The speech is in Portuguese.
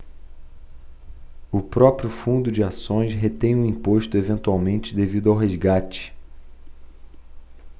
o próprio fundo de ações retém o imposto eventualmente devido no resgate